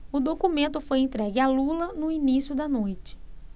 o documento foi entregue a lula no início da noite